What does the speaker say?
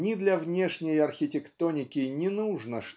ни для внешней архитектоники не нужно